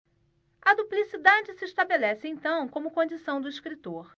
a duplicidade se estabelece então como condição do escritor